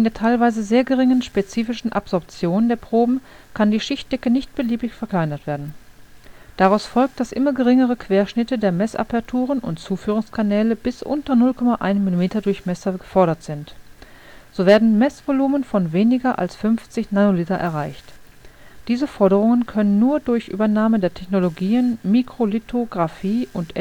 teilweise sehr geringen spezifischen Absorption der Proben kann die Schichtdicke nicht beliebig verkleinert werden. Daraus folgt, dass immer geringere Querschnitte der Messaperturen und der Zuführungskanäle bis unter 0,1 mm Durchmesser gefordert sind. So werden Messvolumen von weniger als 50 nl erreicht. Diese Forderungen können nur durch Übernahme der Technologien Mikrolithographie und